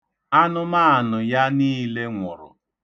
Anụmaanụ ya niile nwụrụ.